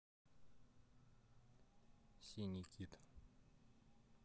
синий кит